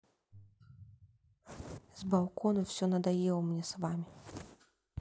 с балкона все надоело мне с вами